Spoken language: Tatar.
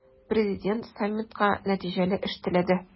Президент саммитка нәтиҗәле эш теләде.